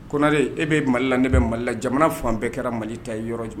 Koɔri e bɛe mali la ne bɛ mali la jamana fan bɛɛ kɛra mali ta ye yɔrɔjɔ